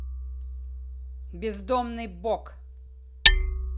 бездомный бог